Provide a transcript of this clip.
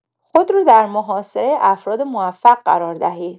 خود را در محاصره افراد موفق قرار دهید.